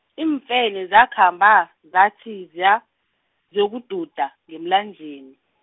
iimfene zakhamba, zathi ziya- ziyokududa ngemlanjeni.